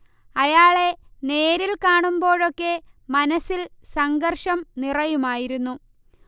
അയാളെ നേരിൽ കാണുമ്പോഴൊക്കെ മനസ്സിൽ സംഘര്ഷം നിറയുമായിരുന്നു